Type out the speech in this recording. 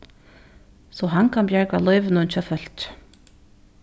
so hann kann bjarga lívinum hjá fólki